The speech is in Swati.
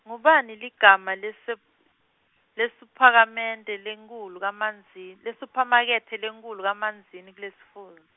ngubani ligama leseph-, lesuphakamende- lenkhulu kaManzini, lesuphamakethe lenkhulu kaManzini kulesifuz-.